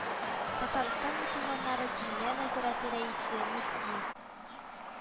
Татарстан мөселманнары Диния нәзарәте рәисе, мөфти